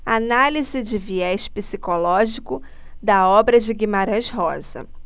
análise de viés psicológico da obra de guimarães rosa